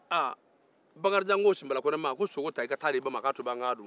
aa bakarijan ko simbala kɔnɛ ma sogo ta i ka taa di i ba ma a k'a tobi an ka dun